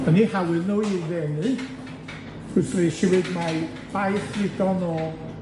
Yn 'u hawl nw i'w ddenu, pwysleisiwyd mai baich ddigon o